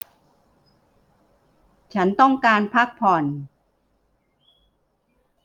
ฉันต้องการพักผ่อน